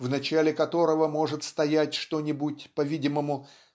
в начале которого может стоять что-нибудь по-видимому